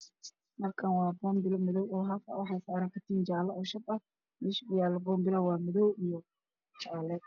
Halkan waa boonbilo madow ah waxa saran katin jaalo ah oo shab ah meesha oow yaalo waa madow io jaalo